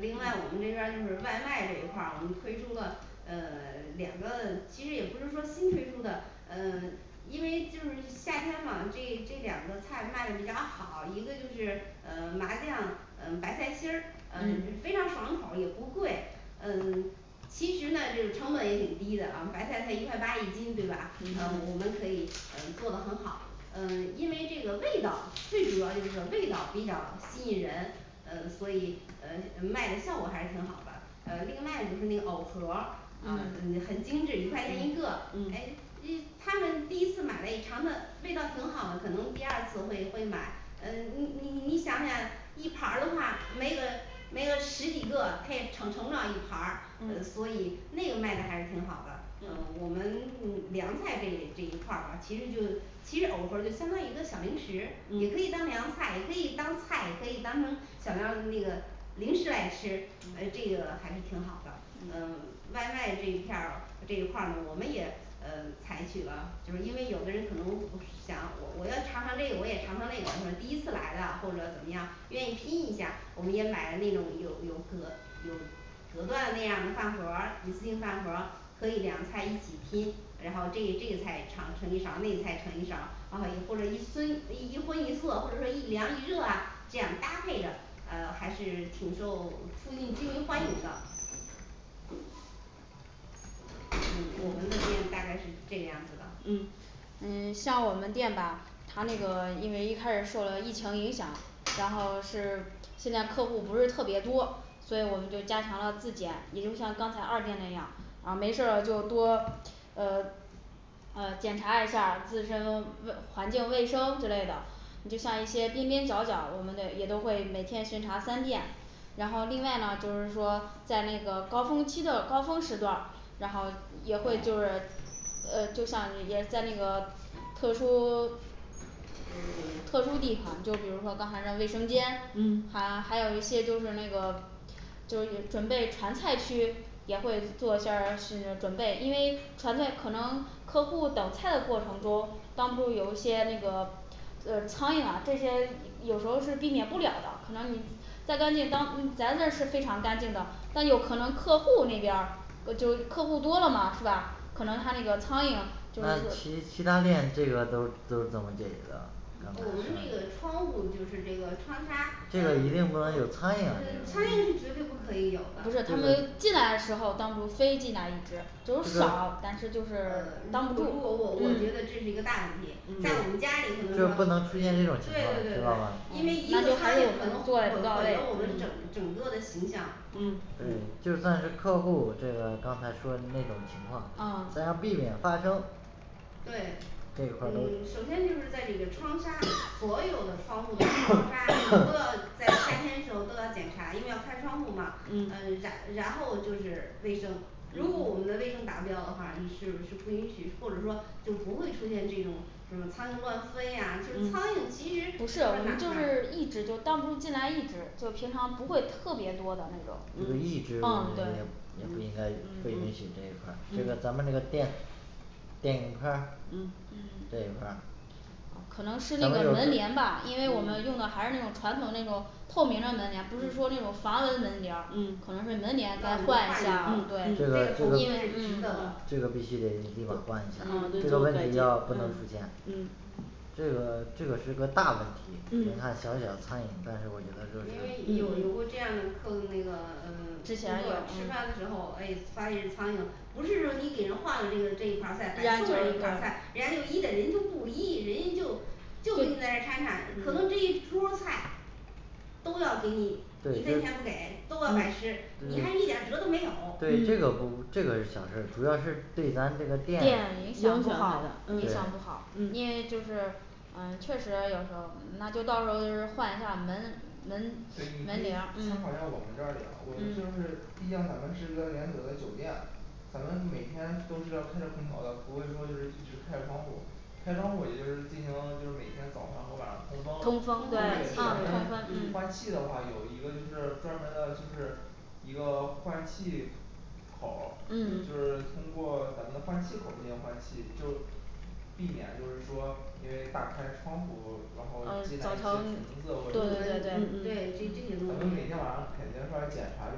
另外我们这边儿就是外卖这一块儿，我们推出了呃 两个，其实也不是说新推出的，嗯嗯， 因为就是夏天嘛这这两个菜卖的比较好，一个就是嗯麻酱嗯白菜心儿嗯非常爽口也不贵，嗯 其实呢就是成本也挺低的啊，白菜才一块八一斤对吧？&嗯&嗯，我们可以嗯做得很好，嗯因为这个味道最主要就是味道比较吸引人，嗯所以嗯卖的效果还是挺好的。呃另外就是那个藕盒儿啊嗯嗯嗯很精致，一块钱一个，诶嗯，因为他们第一次买嘞尝的味道挺好的，可能第二次会会买，呃你你你想想一盘儿的话，没个没个十几个它也盛盛不了一盘儿，嗯嗯所以那个卖得还是挺好的。嗯，我们凉菜这一这一块儿吧其实就其实藕盒儿就相当于一个小零食，也可以当嗯凉菜，也可以当菜，可以当成小凉那个零食来吃，呃这个还是挺好的。嗯外卖这一片儿这一块儿呢我们也嗯采取了就是因为有的人可能想我我要尝尝这个我也尝尝那个，说第一次来的或者怎么样，愿意拼一下，我们也买了那种有有隔有隔断那样的饭盒儿，一次性饭盒儿可以两个菜一起拼，然后这这个菜尝盛一勺儿，那个菜盛一勺儿，然后或者一虽呃一荤一素啊，或者说一凉一热啊，这样搭配着，呃还是挺受附近居民欢迎的。嗯，我们的店大概是这个样子的，嗯啊没事儿了就多呃呃检查一下儿自身卫 环境卫生之类的，就像一些边边角儿角儿，我们呢也都会每天巡查三遍。然后另外呢就是说在那个高峰期的高峰时段儿，然后也会就是呃就像那些在那个特殊 特殊地方，就比如说刚才的卫生间嗯，它还有一些就是那个就是也准备传菜区也会做一下儿适准备，因为传菜可能客户等菜的过程中，挡不住有一些那个呃苍蝇啊这些有时候是避免不了的可能你再干净当嗯咱那儿是非常干净的，但有可能客户那边儿，呃就客户多了嘛是吧？可能他那个苍蝇就是那会其其他店这个都都怎么解决的我们这个窗户就是这个窗纱，苍这个一定不能有苍蝇，这蝇是个绝对不可以有不是，的，他们进来的时候挡不住飞进来一只，就是少，但是就呃如是嗯挡不如果住我我觉得嗯这是一个大问题，在我们嗯家里可这不能能说，出现这种情对况，对对知对道吗，因为一个苍蝇可能毁毁了我们整整个的形象，嗯就算是客户这个刚才说的那种情况啊，咱要避免发生。对，嗯，首先就是在这个窗纱所有的窗户的窗纱都要在夏 天时候都要检查，因为要开窗户嘛，嗯嗯然然后就是卫生如果我们的卫生达标的话，你是是不允许或者说就不会出现这种什么苍蝇乱飞呀，就是苍蝇其实不是我们就是一只就挡不住进来一只，就平常不会特别多的那种就是一只也哦对 也不应该被允嗯许这一块儿，这个咱们这个电电蝇拍儿嗯这一块儿，可能是那咱们个有门帘吧，&嗯&因为我们用的还是那种传统那种透明的门帘，不是说那种防蚊门帘儿嗯，要可能是门帘要换换一下一对，个，这这个个这投资个是值嗯得的，，嗯嗯这个必须得尽快换一下嗯这个问题要不能出现嗯这个这个是个大问题，嗯别看小小的苍蝇，，但是我觉得就因是为有有过这样的客那个嗯之顾前有客吃饭嗯的时候，诶发现苍蝇，都要给你，一分钱不给都要&嗯&白吃嗯对这，你还一点儿辙都没有，，对这个不，这个是小事儿，主要是对咱这个店店，对影响不好嗯，影响不好，因为就嗯是嗯，确实有时候那就到时候换一下门门对你可以门帘儿，嗯参考一下我们这里呀，我们就嗯是毕竟咱们是一个连锁的酒店咱们每天都是要开着空调的，不会说就是一直开着窗户，开窗户也就是进行就是每天早上和晚上通通风风，，通风换气对对咱嗯，对们换嗯气的话有一个就是专门儿的就是一个换气口儿，就嗯是通过咱们的换气口儿进行换气就，避免就是说因为大开窗户，然啊后进来一些虫，子，对对对嗯咱对，对嗯这些东们每西天晚上肯定要检查就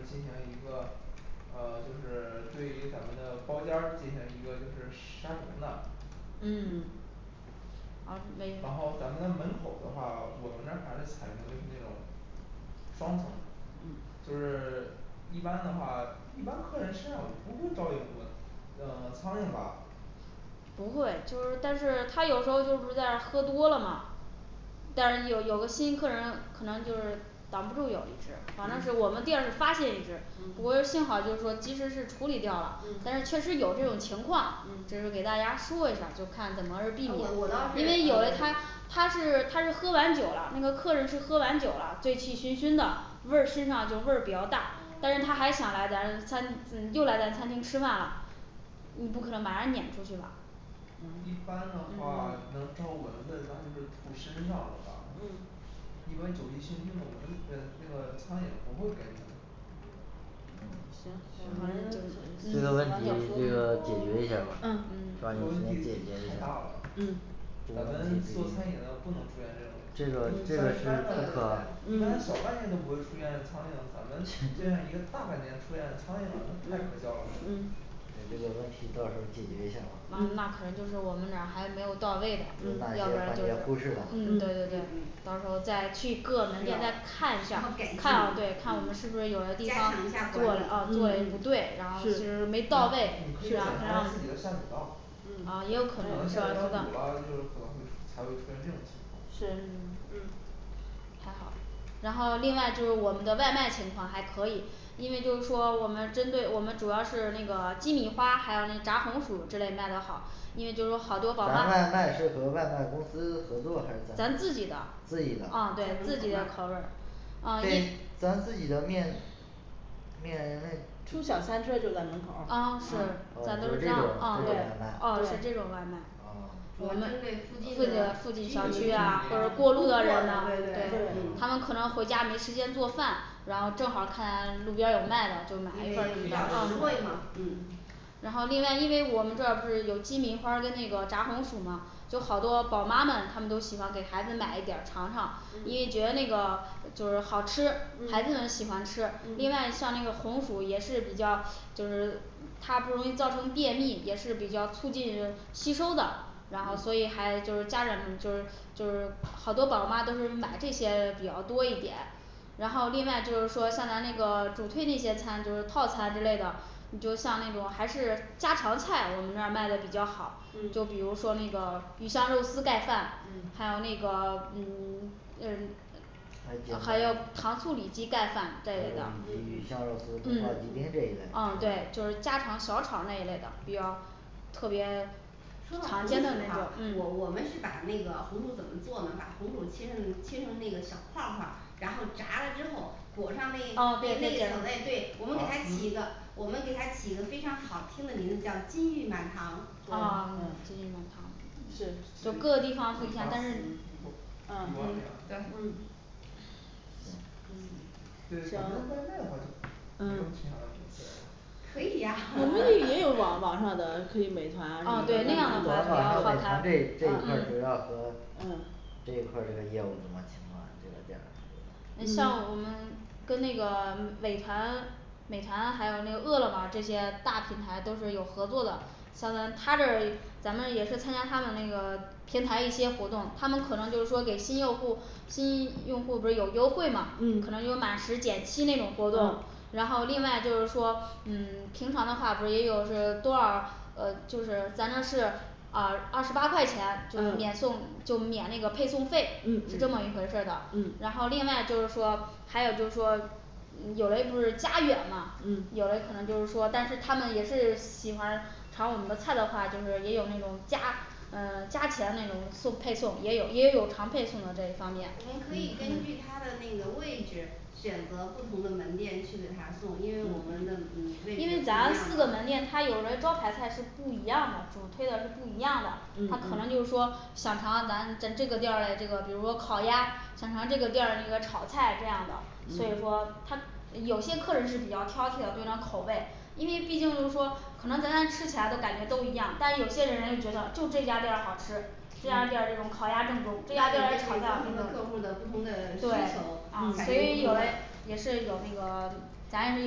是进行一个呃就是对于咱们的包间儿进行一个就是杀虫的嗯好，可以不会，就是但是他有时候就是在喝多了嘛，但是有有的新客人可能就是挡不住有一只反正是我嗯们店里儿发现一只不过是嗯幸好就是说及时是处理掉了，但是确嗯实有这种情况嗯，只是给大家说一下就看怎么是哎，避免我我当是，因为有了嗯他 他是他是喝完酒了，那个客人是喝完酒了醉气熏熏的，味儿身上就味儿比较大但是他还想来咱餐嗯又来咱餐厅吃饭了，你不可能把他撵出去吧，一般的话嗯能招蚊子那就是吐身上了吧嗯。 一般酒气熏熏的蚊呃那个苍蝇不会飞的嗯行，反正就，嗯这个问题这个解决一下儿吧，因把为嗯问问题题解决太一下大了儿嗯这个，这个是 嗯你这个问题到时候解决下吧嗯，，哪那一可能个环就是我们那儿还没有到位的，嗯要嗯不然就节忽视是了，。嗯对对嗯对需要改进嗯加强一下管理嗯嗯是你可以检查一下自己的下水道，嗯可能下水道堵了就可能会出才会出现这种情况是嗯嗯。还好，然后另外就是我们的外卖情况还可以，因为就是说我们针对我们主要是那个鸡米花，还有那炸红薯之类卖得好，因为就是好多宝妈咱，外卖是和外卖公司合作还是咱干们嘛，自自己己，啊，的对，自己的口味儿啊因所以咱自己面出小餐车就在门面口儿，啊哦，咱都就是是这样，哦就是这种这这种这种种外外卖卖，，哦 哦 主要针对附近的居民路过的，对对嗯，因为比较居小居区啊或民者过路的人的，他们可能回家没时间做饭，然后正好儿看咱路边儿有卖的就买一份实惠嘛儿，嗯嗯然后另外因为我们这儿不是有鸡米花儿跟那个炸红薯嘛，就好多宝妈们他们都喜欢给孩子买一点儿尝尝，因为觉嗯得那个就是好吃，孩子们嗯喜欢吃，另外你嗯像那个红薯也是比较就是它不容易造成便秘，也是比较促进吸收的，然后所以嗯还就是家长就是就是好多宝妈都是买这些比较多一点，然后另外就是说像咱那个主推那些餐就是套餐之类的，你就像那种还是家常菜我们这儿卖的比较好，就比嗯如说那个鱼香肉丝盖饭，还嗯有那个嗯 呃还有糖醋里脊盖饭这一类的，嗯，啊对，就是家常小炒儿那一类的，比较，特别。说到的话，我我嗯们是把那个红薯怎么做呢，把红薯切成切成那个小块儿块儿，然后炸了之后裹上那哦对那那一层，诶，对，哦，我们给它糖起一丝个我们给它起一个非常好听的名字叫金玉满堂。金玉满堂是，就各个地就糖稀做方不地一样但是，瓜嗯嗯那样对嗯嗯对咱们外卖的话就，对行嗯可以呀我们那也也有 网网上的，可以美团哦，对，那样的话咱网上美团这这一块儿主要和嗯这一块儿的业务什么情况你们的店儿嗯像我们 跟那个 美团、美团还有那饿了么这些大品牌都是有合作的，像咱他这儿咱们也是参加他们那个平台一些活动，他们可能就是说给新用户新用户不是有优惠嘛，可能有嗯满十减七那种活动，然后另外就是说嗯平常的话不是也有是多少，呃，就是咱这儿是啊二十八块钱就免嗯送就免那个配送费嗯是这么嗯一回事儿的嗯。然后另外就是说还有就是说有嘞不是家远嘛，有嘞可能就是说但是他们也是喜欢嗯我们可以根据他的那个位置选择不同的门店去给他送，因为我们的嗯位置是因不一为样咱们四个门店的，他有的招牌菜是不一样的主推的是不一样的，嗯嗯他可能就是说想尝尝咱咱这个店儿嘞这个比如说烤鸭想尝这个店儿那个炒菜这样的所以嗯说他有些客人是比较挑剔的，比方口味，因为毕竟就是说可能咱吃起来都感觉都一样，但有些人人家就觉得就这家店儿好吃，这家店儿这种烤鸭正宗这家店儿炒不菜，同的客户的不同的需对求啊，所以有嘞也是有那个 咱也是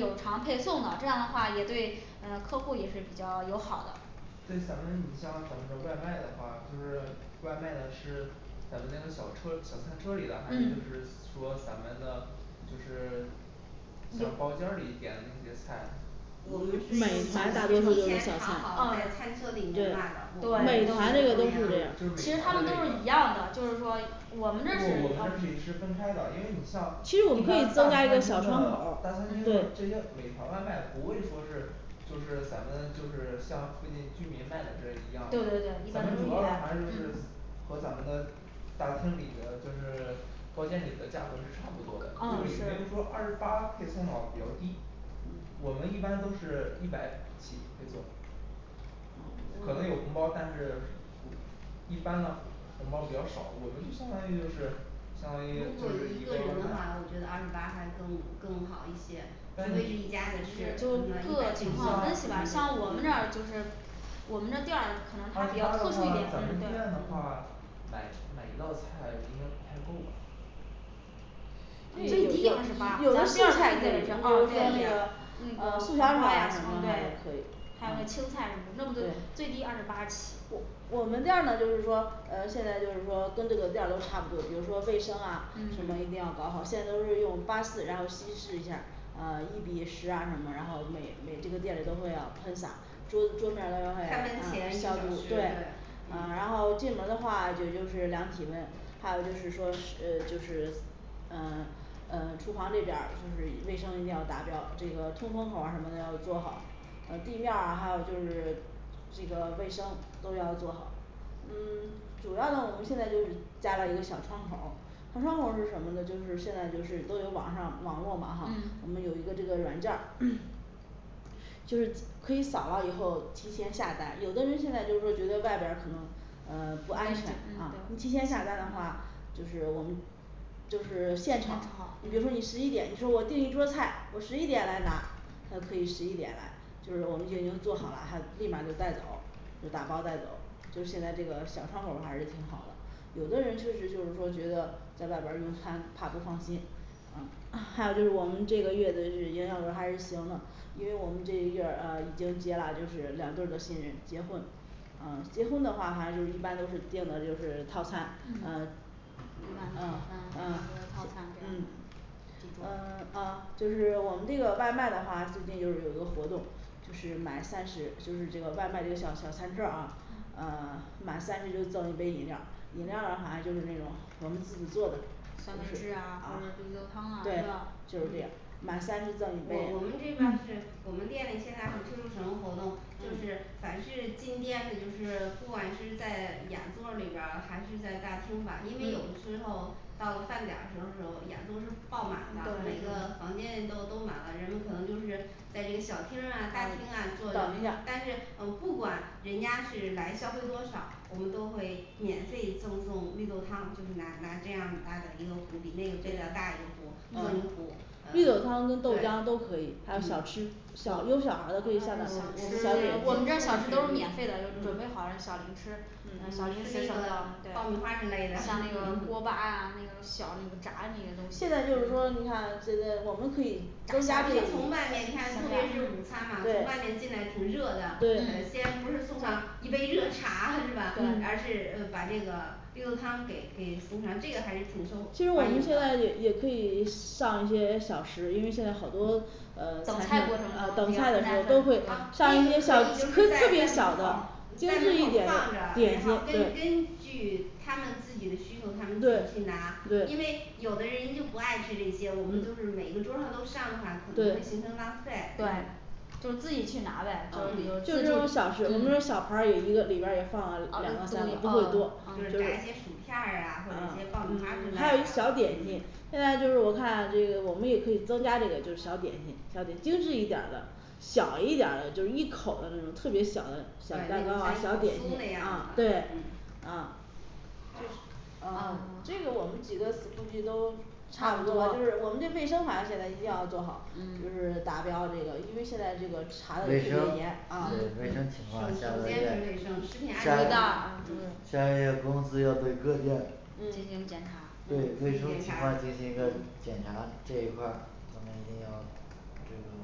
有偿配送的，这样的话也对嗯客户也是比较友好的。对咱们你像咱们的外卖的话，就是外卖的是咱们那个小车小餐车里的还是就嗯是说咱们的就是像包间儿里点的那些菜，我们是用，提前查好在餐车里面卖的，美团这个东西对就是其实美它团的们都那是一个样的就是说就是我我们们这这儿是是比也较是分开的，因为你像其实我一们可以般大增加一个餐小窗厅的口，大餐儿厅的这些美团外卖不会说是就是咱们就是像附近居民卖的这一样对对对一的，咱般，们主要的还是就嗯是和咱们的大厅里的就是包间里的价格是差不多的，所嗯以说二十八配送到比较低嗯我们一般都是一百起配送，可能有红包，但是一般的红包比较少，我们就相当于就是如相当于就果是一一个个菜人的话，我觉得二十八还更更好一些，除非是一家子吃，就是各情况分析吧，像我们这儿就是我们的店儿二十八的话可能它比较，咱们嗯对店，的话，买买一道菜应该不太够吧最低，有的素菜呃素小炒儿啊也可以，对我们店儿呢就是说嗯现在就是说都这个店儿都差不多，比如说卫生啊什么一嗯定要搞好，现在都是用八四，然后稀释一下儿啊一比十啊什么，然后每每这个店里都会要喷洒就是做出来的，开门前嗯一小消时毒对对，，嗯然后进门的话也就是量体温，还有就是说是嗯就是嗯，嗯厨房这边儿就是卫生一定要达标，这个通风口儿啊什么的要做好，呃地面儿啊还有就是这个卫生都要做好嗯 主要呢我们现在就是加了一个小窗口儿小窗口儿是什么呢就是现在就是都有网上网络嘛，哈，我嗯们有一个这个软件儿， 就是可以扫描以后提前下单，有的人现在就是觉得外边儿可能嗯嗯不安全对，啊，提前下单的话就是我们就是现现炒炒，比如说你十一点，你说我订一桌菜，我十一点来拿，他可以十一点来，就是我们就已经做好了，他立马就带走，就打包带走，所以现在这个小窗口儿还是挺好的，有的人确实就是说觉得在外边儿用餐怕不放心，啊，还有就是我们这个月的这营销额还是行了，因为我们嗯这一月儿呃已经接啦就是两对儿的新人结婚，嗯结婚的话反正就一般都是定的就是套餐，啊嗯嗯嗯嗯，啊就是我们这个外卖的话最近就有一个活动，就是买三十就是这个外卖这个小小餐劵儿啊，嗯嗯，满三十就赠一杯饮料儿饮料的话，就是那种我们自己做的，啊对酸就梅是这汁啊或者绿豆汤啊是吧满三十赠一杯我我，们这边儿是我们店里现在是推出什么活动，就是嗯凡是进店的，就是不管是在雅座里边儿还是在大厅吧，因为有的时候到了饭点儿的时候雅座是爆满的，每对个房间里都都满了，人们可能就是在这个小厅儿啊嗯大厅啊坐等一下的，但是嗯不管人家是来消费多少，我们都会免费赠送绿豆汤，就是拿拿这样大的一个壶比那个杯子要大一个壶儿赠一壶儿，呃， 绿豆汤跟豆浆都可以对，，还有小吃，嗯小有的小孩儿的可以，是我们这儿，小吃都是免费了，准备好了小零吃嗯吃小零食那个爆米花之类对的，像那 个锅巴啊那个小那个炸那个东西，现在就是说你看呃 我们自己从外面，你看特别是午餐嘛从外对面进来挺热的对，先不是送上一杯热茶是吧？ 对而是把那个绿豆汤给给送上这个还是挺其实受我欢迎们现在的，也也可以上一些小食因为现在好多呃，呃等等菜过程中，菜的时候都会那些可以就是在在门口儿在门口儿放着，然后根根据他们自己的需求他们自个儿去拿，对因对为有的人就不爱吃这些，我们都是每个桌上都上的话可能会形对成浪费，对就自己去拿呗，就这种小吃我们小孩儿也一个里边儿也放了两个三个，不会多，还有一些小点心，现在就是我看这个我们也可以增加这个小点心小精致一点儿的，小一点儿的就是一口那种特别小的，小蛋糕啊小点心啊对嗯啊。呃啊，这个我们几个估计都差不多，就是我们这卫生反正现在一定要做好，就嗯是达标这个，因为现在这个查的卫也特生，别严啊，卫卫生情啊嗯，嗯首况下首个先是卫月生，食品安，下全这儿下个月公司要对各店，进嗯行检查对卫生情况进行一个嗯检查，这一块儿我们一定要就是说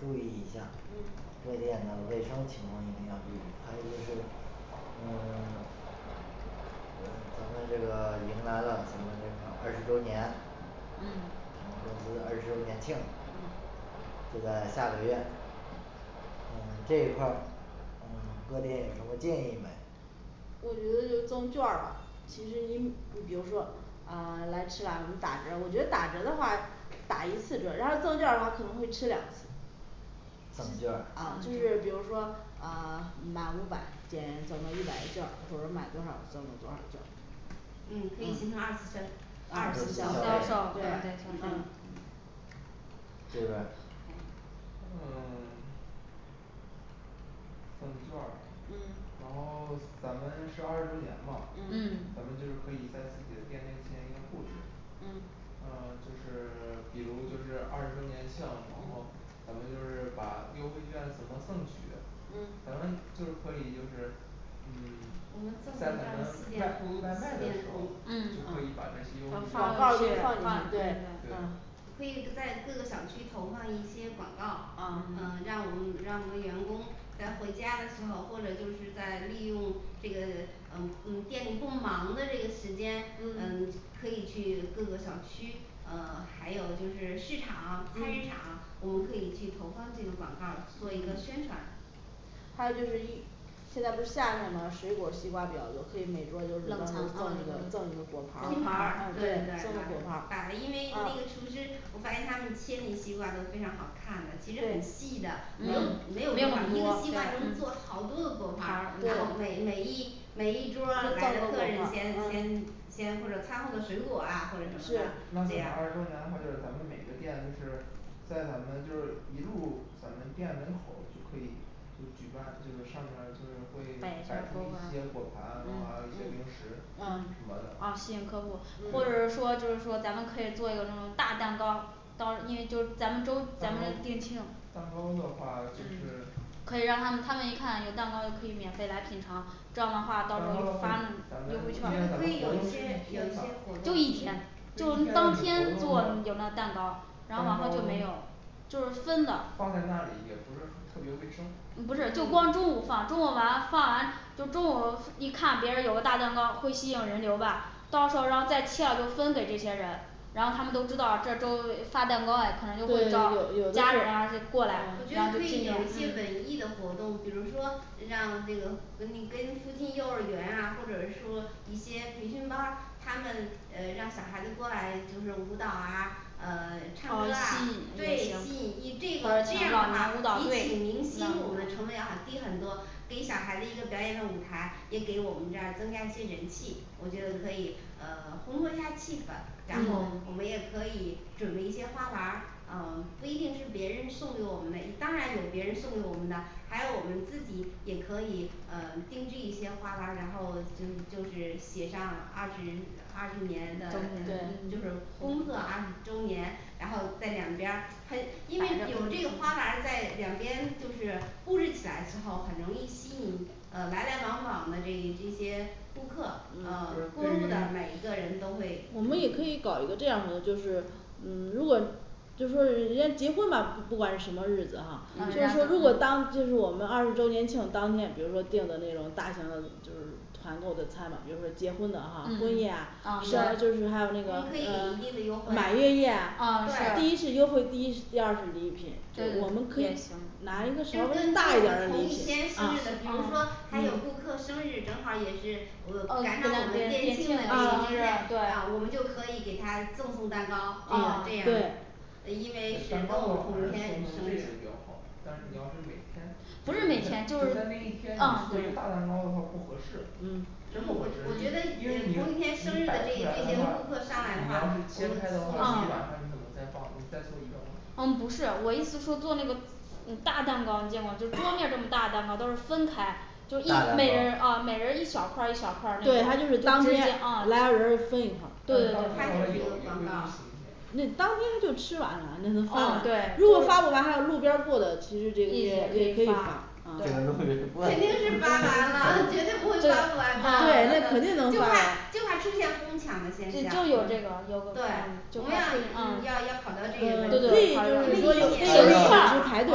注意一下嗯各店的卫生情况一定要注意，还有就是嗯 咱们这个迎来了这个二十周年，我嗯们公司二十周年庆嗯就在下个月，嗯这一块儿嗯各店有什么建议没我觉得赠劵儿其实您你比如说啊来吃完我们打折，我觉得打折的话打一次折，然后赠劵儿的话可能会吃两次 赠劵儿？啊就是比如说呃 满五百减赠送一百的劵儿或者买多少，赠送多少劵儿嗯可以形成二次消，二二次次消销售消费费对嗯嗯嗯赠劵儿嗯，然后咱们是二十周年嘛嗯嗯，咱们就是可以在自己的店内进行一个布置嗯，啊就是 比如就是二十周年庆，然后嗯咱们就是把优惠劵怎么赠取，嗯，咱们就是可以就是，嗯，我们 在咱赠们外的外卖的时候就可以把这些优放进去惠对劵，嗯对。可以在各个小区投放一些广告，啊啊让我们让我们的员工嗯还有就是一现在不是夏天嘛水果儿西瓜比较多，可以每桌儿就赠一个赠一个果盘拼儿盘对对对，摆因为那个厨师我发现他们切那西瓜都非常好看的，其实很细的，没有没有没有买一多个西瓜能做好多的果盘儿，然后每每一每一桌儿来的客人先先先或者餐后的水果啊或者嗯，什是么那的，这这样样二十周年的话，就是咱们每个店就是摆一下嗯嗯嗯什么的，啊吸引客户，或者是嗯说就是说咱们可以做一个这种大蛋糕当然因为就是咱们周蛋糕咱们店庆，蛋糕的话就是嗯可以让他们他们一看有蛋糕可以免费来品尝这样的话蛋糕，咱们咱们活动到时候可以发，优惠券你们可儿，是一以有一些天有一些的活就动，一天就当天做有那蛋糕，然后蛋往后糕，就没有，就是分的放在那里，也不是很特别卫生，不是就光中午放中午完放完就中午一看别人儿有个大蛋糕会吸引人流吧，到时候然后再切了就分给这些人然后他们都知道这儿都发蛋糕啊，可能对就对会招对我觉得家人啊过来，嗯可以有一些文艺的活动，比如说让那个你跟附近幼儿园啊或者说一些培训班儿他们嗯让小孩子过来就是舞蹈啊嗯唱歌啊吸，对，引吸引你行这个这样的舞话蹈比队请明星我们成本也很低很多，给小孩子一个表演的舞台，也给我们这儿增加一些人气，我觉得可以呃 烘托一下气氛然后嗯我们也可以准备一些花篮儿，嗯，不一定是别人送给我们的，当然有别人送给我们的还有我们自己也可以呃，定制一些花篮儿，然后就是就是写上二十二十周年年的的就是工作二十周年，然后在两边儿很因为有这个花篮儿在两边就是布置起来之后，很容易吸引呃来来往往的这这些顾客，嗯，对过路的于每一个人都会我们也可以搞一个这样的就是嗯， 如果就是说人人家结婚吧不管是什么日子哈，就是嗯说如果当就是我们二十周年庆，当天比如说定的那种大型的就是团购的餐了就是结婚的哈，婚宴啊啊，对就是还有那嗯我个们可以，给呃一定的优惠满月啊，宴啊，第一是优惠，第一第二是礼品，就我们是可以，就是就是跟我拿一个稍微大一点儿的同礼一天品生啊日，的，比如说还有顾客生日正好儿也是赶上我们了嗯对店庆的这一天，我们就可以给他赠送蛋糕啊，这样这样对因为是跟我同一天生日，比较好，但是你要是每天，不但是在那每一天天，你就是，嗯做一个大蛋糕的话不合适哦，我我觉得因为也你，同一你摆天出生来日的的话，这你这些顾客上来的要话是切开的话你晚上怎么再放，你再做一个，嗯吗嗯不是，我意思说做那个大蛋糕见过，就是桌面儿这么大蛋糕都是分开就是一大每人儿蛋一糕啊每人儿一小块儿一小块儿那种，啊对，对，他它就就是是一个当天来个人儿分一块儿广告那当天就吃完反正啊，对如果发不完还有路边儿过的，其实这个也也可可以以。发坏了 啊，对，肯定能就发完，怕就怕出现哄抢的现对，象，就有这对个有同样也是要要考虑到这一问题，还排队